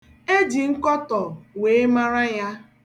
E ji nkọtọ wee mara ya.